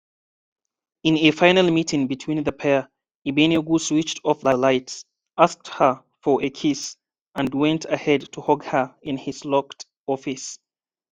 In a final meeting between the pair, Igbenegbu switched off the lights, asked her for a kiss and went ahead to hug her in his locked office.